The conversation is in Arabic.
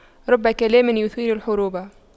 رب كلام يثير الحروب